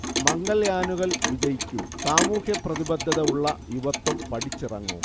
മംഗൾയാനുകൾ വിജയിക്കൂ, സാമൂഹ്യ പ്രതിബദ്ധത ഉള്ള യുവത്വം പഠിച്ചിറങ്ങൂ